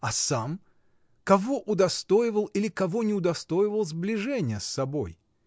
А сам — кого удостоивал или кого не удостоивал сближения с собой?